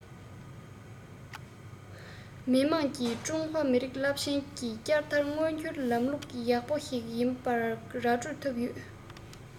མི དམངས ཀྱིས ཀྲུང ཧྭ མི རིགས རླབས ཆེན བསྐྱར དར མངོན འགྱུར ལམ ལུགས ཡག པོ ཞིག ཡིན པ ར སྤྲོད ཐུབ ཡོད